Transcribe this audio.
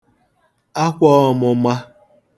akwā ọ̄mụ̄mā